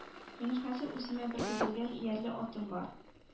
Минем хәзер үземә беркетелгән иярле атым бар